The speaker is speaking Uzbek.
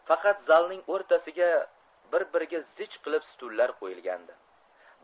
faqat zalning o'rtasiga bir biriga zich qilib stullar ko'yilgandi